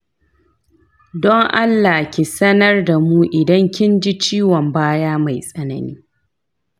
don allah ki sanar damu idan kinji ciwon baya mai tsanani